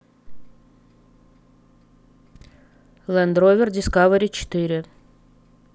лэндровер дискавери четыре